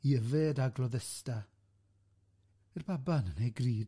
I yfed a gloddesta i'r baban yn ei gryd.